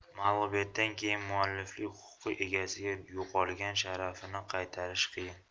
mag'lubiyatdan keyin mualliflik huquqi egasiga yo'qolgan sharafini qaytarish qiyin